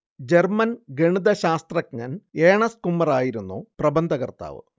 German ഗണിതശാസ്ത്രജ്ഞൻ Ernst കുമ്മറായിരുന്നു പ്രബന്ധകർത്താവ്